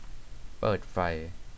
เปิดไฟ